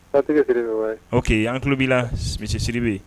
Tigɛ an tulo b'i la misisiri bɛ